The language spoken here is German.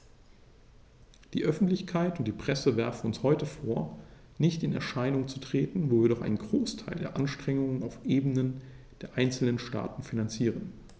Die Öffentlichkeit und die Presse werfen uns heute vor, nicht in Erscheinung zu treten, wo wir doch einen Großteil der Anstrengungen auf Ebene der einzelnen Staaten finanzieren.